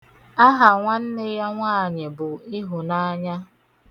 Aha nwanne ya nwaanyị bụ Ịhụnaanya.